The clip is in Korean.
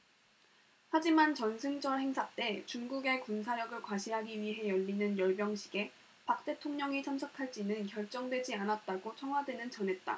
하지만 전승절 행사 때 중국의 군사력을 과시하기 위해 열리는 열병식에 박 대통령이 참석할지는 결정되지 않았다고 청와대는 전했다